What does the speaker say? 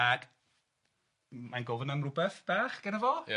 Ac m- mae'n gofyn am rywbeth bach gano fo.